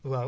waaw